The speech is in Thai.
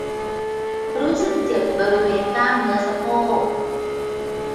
รู้สึกเจ็บบริเวณกล้ามเนื้อสะโพก